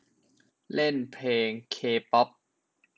เล่นเพลงเคป๊อป